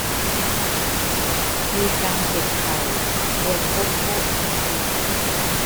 มีการเจ็บเข่าควรพบแพทย์ทันที